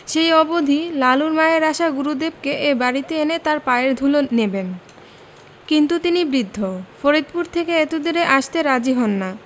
সেই অবধি লালুর মায়ের আশা গুরুদেবকে এ বাড়িতে এনে তাঁর পায়ের ধুলো নেন কিন্তু তিনি বৃদ্ধ ফরিদপুর থেকে এতদূরে আসতে রাজী হন না